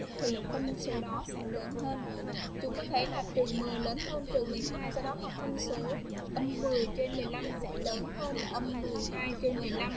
thì phân số đó sẽ lớn hơn chúng có thể nạp lớn hơn giờ có mặt phân số âm trên sẽ lớn hơn trên